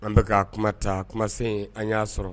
An bɛka ka kuma kumasen an y'a sɔrɔ